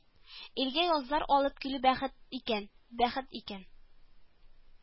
Илгә язлар алып килү бәхет икән, бәхет икән